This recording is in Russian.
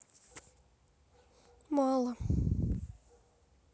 мало